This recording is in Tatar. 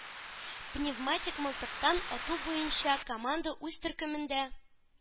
Пневматик мылтыктан ату буенча команда үз төркемендә